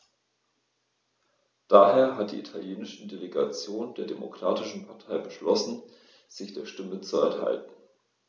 Daher hat die italienische Delegation der Demokratischen Partei beschlossen, sich der Stimme zu enthalten.